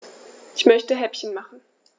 Ich möchte Häppchen machen.